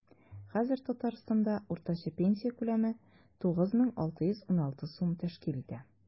Хәзер Татарстанда уртача пенсия күләме 9616 сум тәшкил итә.